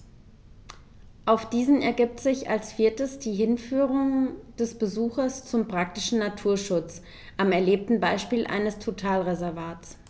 Aus diesen ergibt sich als viertes die Hinführung des Besuchers zum praktischen Naturschutz am erlebten Beispiel eines Totalreservats.